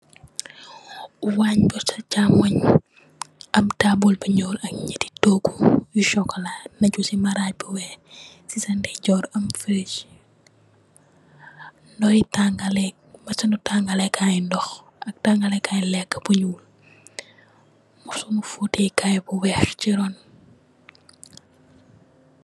Waangh bu cii chaamongh am taabul bu njull ak njehti tohgu yu chocolat, naju cii marajj bu wekh, cii sa ndeyjorr am fridge, ndokhii tangaleh, machine nii tangaleh kaii ndokh ak tangaleh kaii leka bu njull, machine nii foteh kaii bu wekh cii ron.